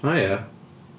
O ia.